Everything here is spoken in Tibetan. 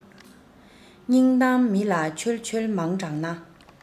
སྙིང གཏམ མི ལ འཆོལ འཆོལ མང དྲགས ན